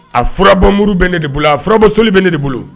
A furabmuru bɛ ne de bolo a furabɔ selili bɛ ne de bolo